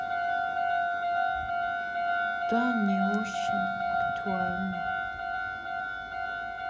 да не очень актуально